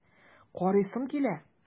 Карыйсым килә!